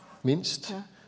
minst.